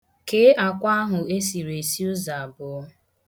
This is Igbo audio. Kee akwa ahụ esiri esi ụzọ abụọ.